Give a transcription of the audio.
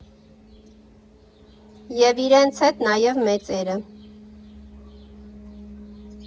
ԵՒ իրենց հետ նաև մեծերը։